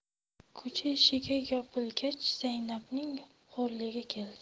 ko'cha eshigi yopilgach zaynabning xo'rligi keldi